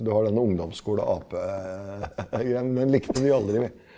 du har denne ungdomsskole apegreien, den likte vi aldri vi.